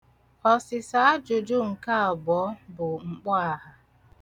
Ọsịsa ajụjụ nke abụọ bụ mkpọaha.